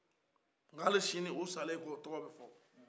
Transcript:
ali sini u salen kɔ u tɔgɔ bɛ fɔ